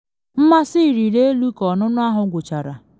Mmasị rịrị elu ka ọnụnụ ahụ gwụchara.